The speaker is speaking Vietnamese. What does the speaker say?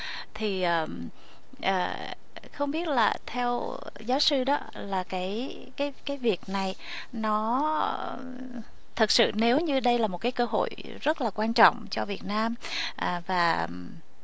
thì à à không biết là theo giáo sư đó là cái cái cái việc này nó thật sự nếu như đây là một cái cơ hội rất là quan trọng cho việt nam à và